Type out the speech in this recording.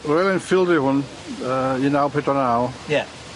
Royal Enfield yw hwn yy un naw pedwar naw. Ie.